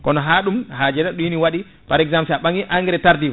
kono ha ɗum ha joni ɗin waɗi par exemple sa ɓaami engrais tardif